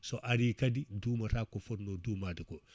so ari kadi duumotako ko fonno duumade ko